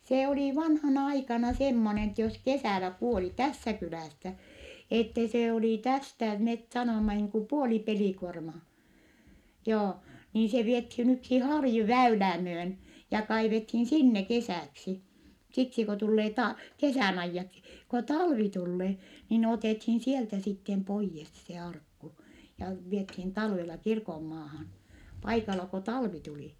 se oli vanhana aikana semmoinen että jos kesällä kuoli tässä kylässä että se oli tästä me sanomme niin kuin puoli pelikuormaa joo niin se vietiin yksi harju väylää myöten ja kaivettiin sinne kesäksi siksi kun tulee - kesän ajaksi kun talvi tulee niin otettiin sieltä sitten pois se arkku ja vietiin talvella kirkonmaahan paikalla kun talvi tuli